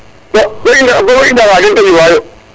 so i ndaɓa den de ƴufa yo